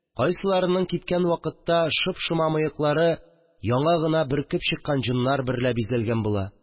Кайсыларының киткән вакытта шоп-шома мыеклары яңа гына бөркеп чыккан җоннар берлә бизәлгән була